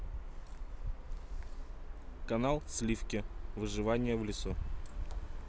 канал сливки выживание в лесу